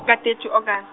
ka- thirty August.